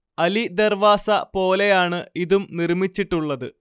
അലിദർവാസ പോലെയാണ് ഇതും നിർമിച്ചിട്ടുള്ളത്